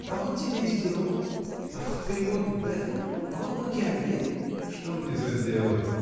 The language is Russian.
А вот тебе Дидро, а вот перевод Бэкона, а вот Макиавелли. — Что мне за дело?